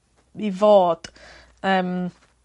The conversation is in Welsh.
i fod yym.